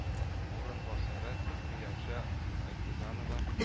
Урынбасары миләүшә айтуганова